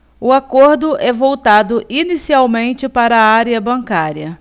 o acordo é voltado inicialmente para a área bancária